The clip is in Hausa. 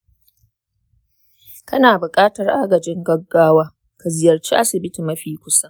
ka na bukatar agajin gaggawa, ka ziyarci asibiti mafi kusa.